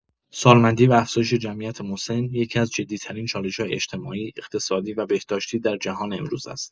سالمندی و افزایش جمعیت مسن یکی‌از جدی‌ترین چالش‌های اجتماعی، اقتصادی و بهداشتی در جهان امروز است.